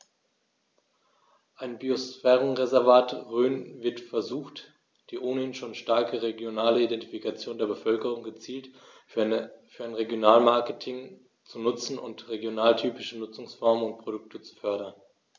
Im Biosphärenreservat Rhön wird versucht, die ohnehin schon starke regionale Identifikation der Bevölkerung gezielt für ein Regionalmarketing zu nutzen und regionaltypische Nutzungsformen und Produkte zu fördern.